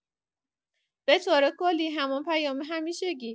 به‌طور کلی، همان پیام همیشگی